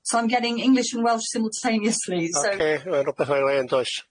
So I'm getting English and Welsh simultaneously so... Ocê rwbeth o'i le yn does?